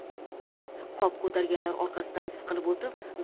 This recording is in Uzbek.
qop ko'targanlar orqasidan siqilib o'tib